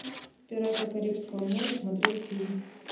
пираты карибского моря смотреть фильм